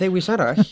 Dewis arall.